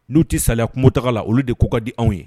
N'u tɛ saya kungotaa la olu de k'u ka di anw ye